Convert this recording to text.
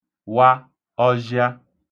wa ọzhịa